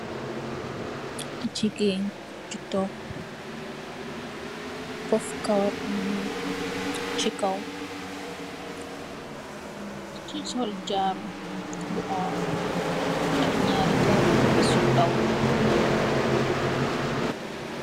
Jigeen bu tok puff kawarr bu ñul si kaw sol jaru bu orr ak ñarri jaru wiss yu ndaw.